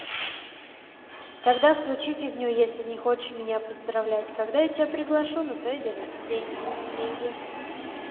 тогда включи фигню если не хочет меня поздравлять когда я тебя приглашу на свое день деньги